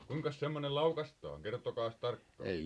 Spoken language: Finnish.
kuinkas semmoinen laukaistaan kertokaas tarkkaan